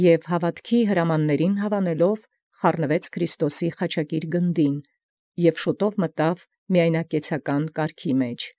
Եւ հաճեալ հրամանացն՝ ի խաչակիր գունդն Քրիստոսի խառնէր, և անդէն վաղվաղակի ի միայնակեցական կարգ մտանէր։